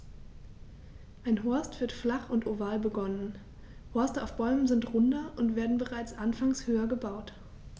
Ein Horst wird flach und oval begonnen, Horste auf Bäumen sind runder und werden bereits anfangs höher gebaut.